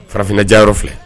Farafinnajɛ yɔrɔ filɛ